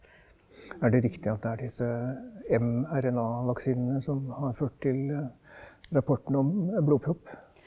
er det riktig at det er disse MRNA-vaksinene som har ført til rapporten om blodpropp?